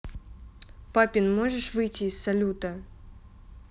папин можешь выйти из салюта